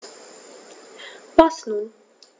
Was nun?